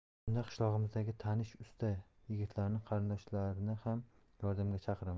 shunda qishlog'imizdagi tanish usta yigitlarni qarindoshlarni ham yordamga chaqiraman